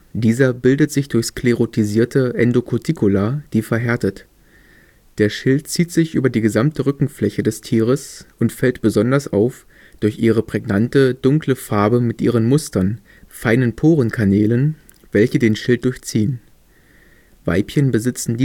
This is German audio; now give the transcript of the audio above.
Dieser bildet sich durch sklerotisierte Endocuticula, die verhärtet. Der Schild zieht sich über die gesamte Rückenfläche des Tieres und fällt besonders auf durch die prägnante dunkle Farbe mit ihren Mustern, feinen Porenkanälen, welche den Schild durchziehen. Weibchen besitzen